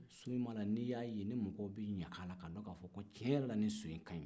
so min b'a la ni y'a ɲe mɔgɔw bɛ ɲagala ka don ka fɔ tiɲɛ yɛrɛ la so in ka ɲi